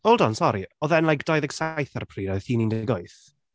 Hold on sori. Oedd e’n like, dau ddeg saith ar y pryd a oedd hi’n un deg wyth?